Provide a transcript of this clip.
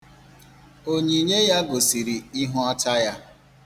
Onyinye ya gosiri ihu ọcha ya.